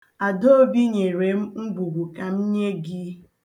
Adaobi nyere m ngwugwu ka m nye gị.